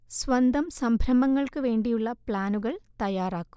സ്വന്തം സംരംഭങ്ങൾക്ക് വേണ്ടി ഉള്ള പ്ലാനുകൾ തയ്യാറാക്കും